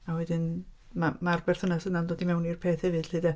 A wedyn mae mae'r berthynas yna'n dod i mewn i'r peth hefyd 'lly de.